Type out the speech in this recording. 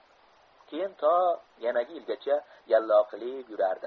keyin to yanagi yilgacha yallo qilib yuradi